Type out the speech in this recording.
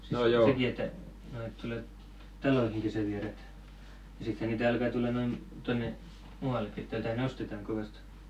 siis sekin että noin että tulee taloihin kesävieraita ja sittenhän niitä alkaa tulla tuonne muuallekin täältähän ostetaan kovasti